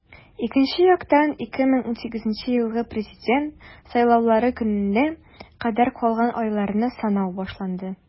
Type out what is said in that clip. Икенче яктан - 2018 елгы Президент сайлаулары көненә кадәр калган айларны санау башланды.